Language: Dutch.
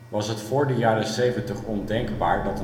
Was het voor de jaren zeventig ondenkbaar